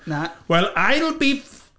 Na... "Well, I'll be f-!